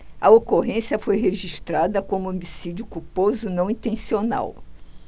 a ocorrência foi registrada como homicídio culposo não intencional